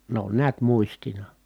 ne on näet muistina